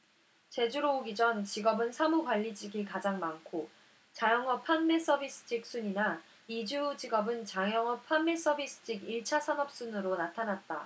제주로 오기 전 직업은 사무 관리직이 가장 많고 자영업 판매 서비스직 순이나 이주 후 직업은 자영업 판매 서비스직 일 차 산업 순으로 나타났다